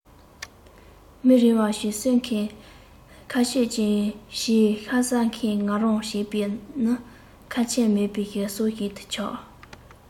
མི རིང བར བྱིའུ གསོད མཁན ཁོ བྱེད ཅིང བྱིའུ ཤ ཟ མཁན ང རང བྱེད པ ནི ཁ ཆད མེད པའི སྲོལ ཞིག ཏུ ཆགས